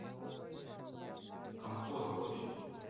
компот хочет